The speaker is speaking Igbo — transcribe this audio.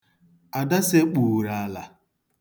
Ada sekpuuru ala.